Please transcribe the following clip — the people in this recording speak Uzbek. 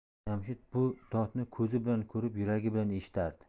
jamshid bu dodni ko'zi bilan ko'rib yuragi bilan eshitardi